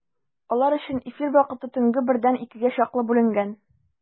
Алар өчен эфир вакыты төнге бердән икегә чаклы бүленгән.